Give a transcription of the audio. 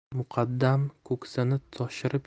muqaddam ko'ksini toshirib